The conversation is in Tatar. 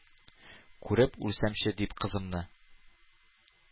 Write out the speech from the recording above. Күреп үлсәмче, дип, кызымны!